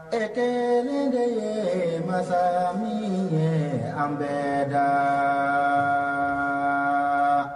Ɛ kɛlen de ye mansa min an bɛ da